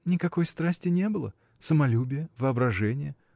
— Никакой страсти не было: самолюбие, воображение.